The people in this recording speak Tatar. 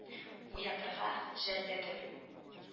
Уятырга жәлләдем